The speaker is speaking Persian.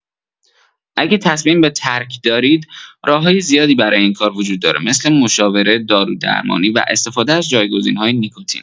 اگه تصمیم به ترک دارید، راه‌های زیادی برای این کار وجود داره مثل مشاوره، دارودرمانی و استفاده از جایگزین‌های نیکوتین.